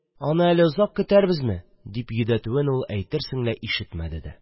Аны әле озак көтәрбезме? – дип йөдәтүен ул әйтерсең лә ишетми дә.